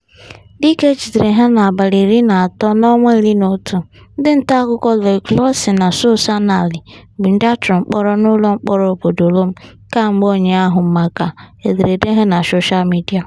#Togo: dịka e jidere ha na 13/11, ndị ntaakụkọ @loiclawson1 na @SossouAnani bụ ndị a tụrụ mkpọrọ n'ụlọmkpọrọ obodo Lomé kemgbe ụnyaahụ maka ederede ha na soshal midịa.